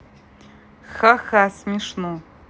хаха смешно